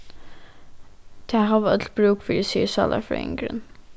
tað hava øll brúk fyri sigur sálarfrøðingurin